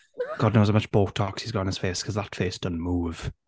Na... God knows how much botox he's got in his face because that face don't move.